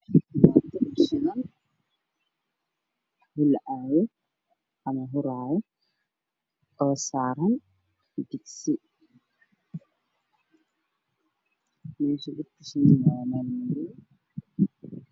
Waa shumac shidan saaran meel madow darbiga ka dambeeyay waa madow